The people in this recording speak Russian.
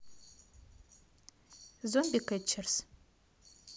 зомби кэтчерс